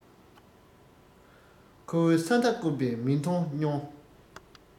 ཁོ བོས ས མཐའ བསྐོར པས མི མཐོང མྱོང